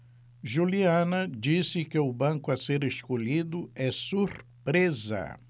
juliana disse que o banco a ser escolhido é surpresa